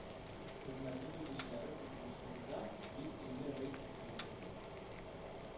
Хезмәте белгечләре катнашлыгында йөз илле рейд үткәрелгән